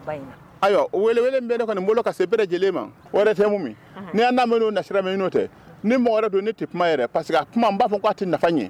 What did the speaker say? Weele kɔni bolo se lajɛlen ma' nao tɛ b'a fɔ' a tɛ nafa ye